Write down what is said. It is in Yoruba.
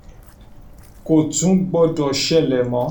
Kò tún gbọdọ̀ ṣẹlẹ̀ mọ́'